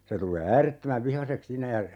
se tulee äärettömän vihaiseksi siinä ja